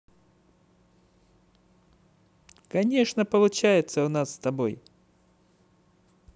конечно получается у нас с тобой